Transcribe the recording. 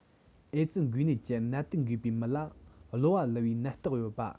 ཨེ ཙི འགོས ནད ཀྱི ནད དུག འགོས པའི མི ལ གློ བ ལུ བའི ནད རྟགས ཡོད པ